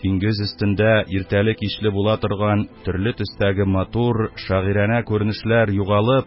Диңгез өстендә иртәле-кичле була торган төрле төстәге матур, шагыйранә күренешләр югалып,